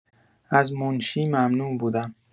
از منشی ممنون بودم.